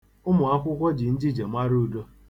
Ụmụakwụkwọ ji njijie mara Udo.